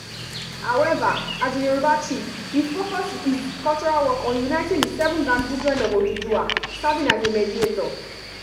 However, as a Yorùbá chief, he focused his cultural work on uniting the seven grandchildren of Odùduwa, serving as a mediator.